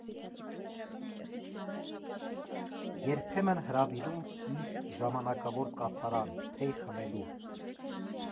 Երբեմն հրավիրում իր ժամանակավոր կացարան՝ թեյ խմելու։